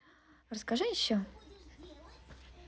расскажи еще